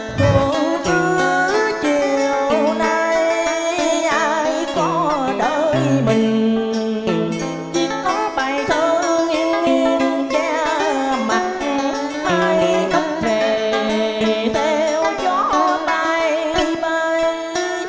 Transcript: khổ cứ chiều nay ai có đợi mình chỉ có bài thơ nghiêng nghiêng che mặt may khắp về theo gió bay bay